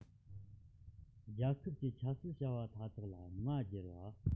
རྒྱལ ཁབ ཀྱི ཆབ སྲིད བྱ བ མཐའ དག ལ མངའ སྒྱུར བ